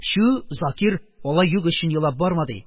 Чү, Закир, алай юк өчен елап барма, - ди